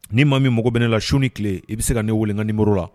Ni maa min mɔgɔ bɛ ne la su ni tile i bɛ se ka ne weleka ni muru la